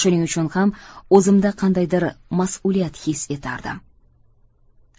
shuning uchun ham o'zimda qandaydir mas'uliyat his etardim